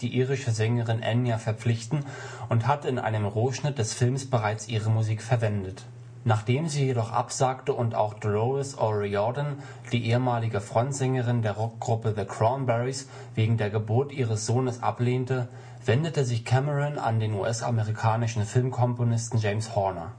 irische Sängerin Enya verpflichten und hatte in einem Rohschnitt des Filmes bereits ihre Musik verwendet. Nachdem sie jedoch absagte und auch Dolores O’ Riordan, die ehemalige Frontsängerin der Rockgruppe The Cranberries, wegen der Geburt ihres Sohnes ablehnte, wendete sich Cameron an den US-amerikanischen Filmkomponisten James Horner